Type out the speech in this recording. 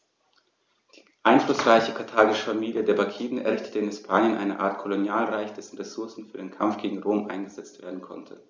Die einflussreiche karthagische Familie der Barkiden errichtete in Hispanien eine Art Kolonialreich, dessen Ressourcen für den Kampf gegen Rom eingesetzt werden konnten.